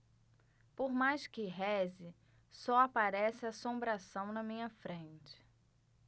por mais que reze só aparece assombração na minha frente